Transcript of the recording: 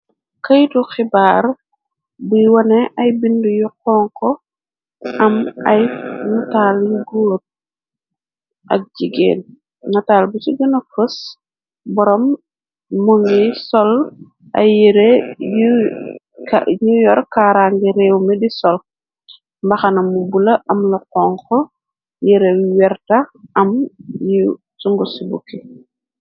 Këytu xibaar buy wone ay bind yu xonko am ay ntaali goot ak jigéen nataal bi ci gëna fës boroom mu ngiy sol ay yëre new york kaara ngi réew mi di sol mbaxana mu bula amla xonxo yere werta am yi sungu ci bukki.